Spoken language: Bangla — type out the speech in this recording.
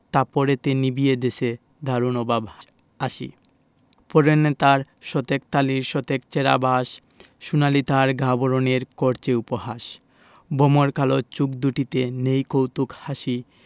থাপড়েতে নিবিয়ে দেছে দারুণ অভাব আসি পরনে তার শতেক তালির শতেক ছেঁড়া বাস সোনালি তার গা বরণের করছে উপহাস ভমর কালো চোখ দুটিতে নেই কৌতুক হাসি